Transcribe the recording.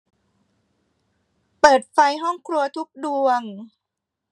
เปิดไฟห้องครัวทุกดวง